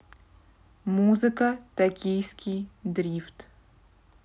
музыка токийский дрифт